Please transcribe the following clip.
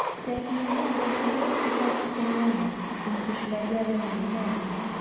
Сәхиянең башыннан сыйпап: "Балам, син кешеләргә рәнҗемә",— ди.